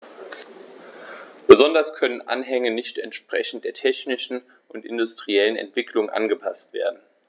Insbesondere können Anhänge nicht entsprechend der technischen und industriellen Entwicklung angepaßt werden.